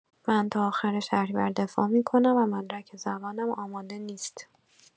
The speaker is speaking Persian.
من تا آخر شهریور دفاع می‌کنم و مدرک زبانم آماده نیست.